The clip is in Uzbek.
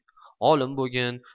olim bo'gin